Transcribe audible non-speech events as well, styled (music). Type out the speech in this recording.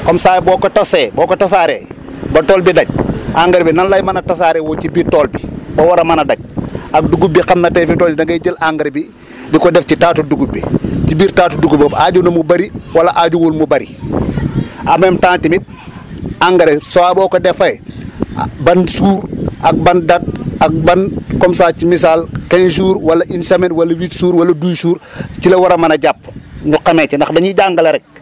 comme ça boo ko tasee boo ko tasaaree (noise) ba tool bi daj engrais bi nan lay mën a tasaarewoo (noise) ci biir tool bi (noise) ba war a man a daj (breath) ak dugub bi xam netey fi mu toll nii da ngay jël engrais bi (noise) di ko def ci taatu dugub bi (noise) ci biir taatu dugub boobu aaju na mu bëri wala aajuwul mu bëri (noise) en même temps tamit (noise) engrais saa boo ko defee (noise) ah ban jour ak ban date (noise) ak ban comme ça ci misaal1 jour wala une semaine wala 8 jours wala 12 jours (breath) ci la war a mën a jàpp ñu xamee ci ndax dañuy jàngale rek